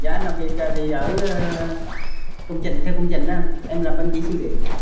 dạ em làm việc thì ở công trình theo công trình á anh em làm bên kỹ sư điện